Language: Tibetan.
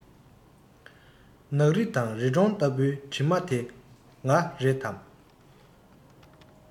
ནགས རི དང རི གྲོང ལྟ བུའི གྲིབ མ དེ ང རེད དམ